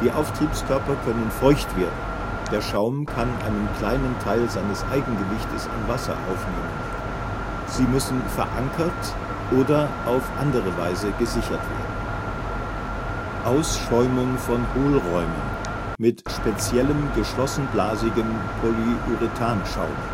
Die Auftriebskörper können feucht werden (der Schaum kann einen kleinen Teil seines Eigengewichtes an Wasser aufnehmen), müssen verankert oder auf andere Weise gesichert werden. Ausschäumung von Hohlräumen (mit speziellem, geschlossenblasigem Polyurethanschaum